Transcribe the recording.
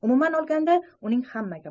umuman olganda uning hammaga